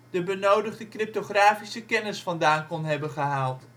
de benodigde cryptografische kennis vandaan kon hebben gehaald